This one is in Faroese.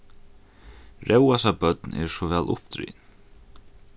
róasa børn eru so væl uppdrigin